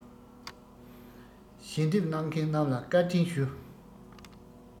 ཞལ འདེབས གནང མཁན རྣམས ལ བཀའ དྲིན ཞུ